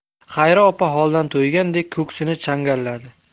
xayri opa holdan toygandek ko'ksini changalladi